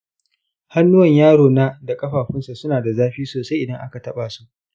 hanuwan yaro na da kafafunsa suna da zafi sosai idan aka taba su.